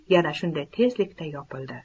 yana shunday tezlikda yopildi